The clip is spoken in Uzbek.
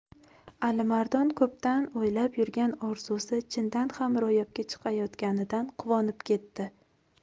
alimardon ko'pdan o'ylab yurgan orzusi chindan ham ro'yobga chiqayotganidan quvonib ketdi